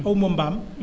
aw ma mbaam